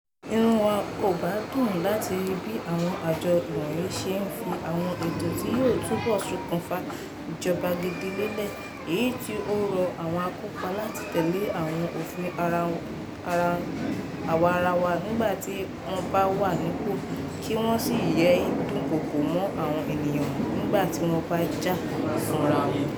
Inú wa ò bá dùn láti rí bí àwọn àjọ́ wọnyìí ṣe ń fi àwọn ètò tí yòó túbọ̀ ṣokùnfà ìjọba gidi lélẹ̀, èyí tí ó rọ àwọn akọpa láti tẹ̀lé àwọn ofin awarawa nígbà tí wọ́n bá wà nípò kí wọ́n sì yée dúnkokò mọ́ àwọn eèyàn nígbà tí wọ́n bá ń jà fúnra wọn.